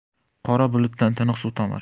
qora bulutdan tiniq suv tomar